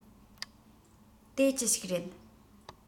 དེ ཅི ཞིག རེད